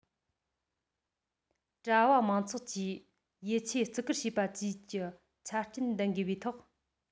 གྲྭ བ མང ཚོགས ཀྱིས ཡིད ཆེས བརྩི བཀུར བྱེད པ བཅས ཀྱི ཆ རྐྱེན ལྡན དགོས པའི ཐོག